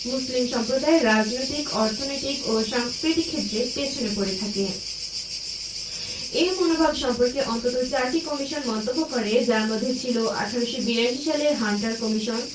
মুসলিম সম্প্রদায় রাজনৈতিক অর্থনৈতিক ও সাংস্কৃতিক ক্ষেত্রে পেছনে পড়ে থাকে এ মনোভাব সম্পর্কে অন্তত চারটি কমিশন মন্তব্য করে যার মধ্যে ছিল ১৮৮২ সালের হান্টার কমিশন